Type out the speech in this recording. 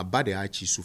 A ba de y'a ci so.